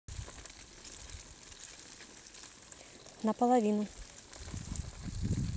на половину